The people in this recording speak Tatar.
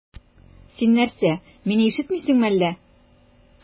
Син нәрсә, мине ишетмисеңме әллә?